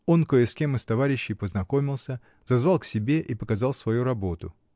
Он кое с кем из товарищей познакомился, зазвал к себе и показал свою работу.